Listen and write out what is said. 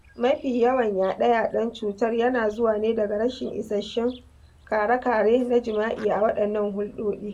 Mafi yawan yaɗe-yaɗen cutar yana zuwa ne daga rashin isasshun kare-kare na jima'i a waɗannan hulɗoɗi.